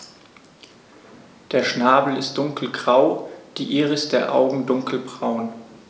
Der Schnabel ist dunkelgrau, die Iris der Augen dunkelbraun.